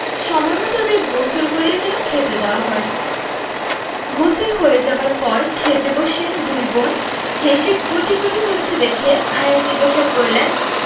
সময়মত ওদের গোসল করিয়ে যেন খেতে দেওয়া হয় গোসল হয়ে যাবার পর খেতে বসে দুই বোন হেসে কুটিকুটি হচ্ছে দেখে আয়া জিজ্ঞেস করলেন